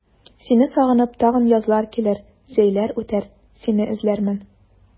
Сине сагынып тагын язлар килер, җәйләр үтәр, сине эзләрмен.